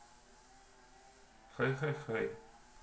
хай хай хай